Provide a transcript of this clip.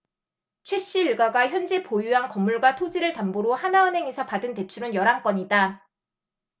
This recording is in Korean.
최씨 일가가 현재 보유한 건물과 토지를 담보로 하나은행에서 받은 대출은 열 한 건이다